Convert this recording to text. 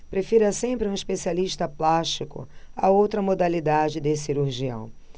prefira sempre um especialista plástico a outra modalidade de cirurgião